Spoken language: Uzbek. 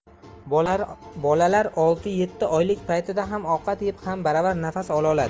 bolalar olti yetti oylik paytida ham ovqat yeb ham baravar nafas ololadi